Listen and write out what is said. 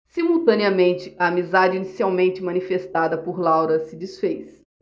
simultaneamente a amizade inicialmente manifestada por laura se disfez